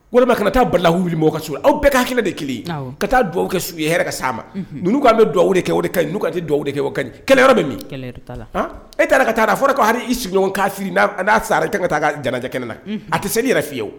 Walima kana taa balawu wili mɔgɔw ka su la aw bɛɛ k'a' halkilina kɛ 1 ye awɔ ka taa duwawu kɛ su ye hɛrɛ ka se a ma unhun ninnu ko an bɛ duwawu de kɛ o de kaɲi ninnu ko an tɛ duwawu de kɛ o kaɲi kɛlɛ yɔrɔ bɛ min kɛlɛ yɔrɔ t'a la han e taara ka taa a da a fɔra ko hari i sigiɲɔgɔn kafiri n'a w n'a sara i kaan ka t'a ka janaja kɛnɛ na unhun a te seli yɛrɛ fiyewu